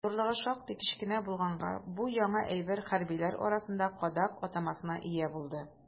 Зурлыгы шактый кечкенә булганга, бу яңа әйбер хәрбиләр арасында «кадак» атамасына ия булды.